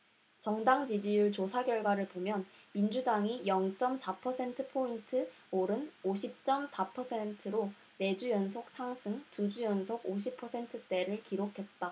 정당 지지율 조사결과를 보면 민주당이 영 쩜 사 퍼센트포인트 오른 오십 쩜 사 퍼센트로 네 주 연속 상승 두 주 연속 오십 퍼센트대를 기록했다